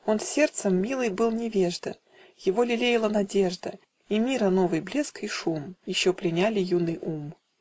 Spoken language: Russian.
Он сердцем милый был невежда, Его лелеяла надежда, И мира новый блеск и шум Еще пленяли юный ум.